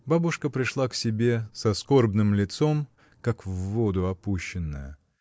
Бабушка пришла к себе с скорбным лицом, как в воду опущенная.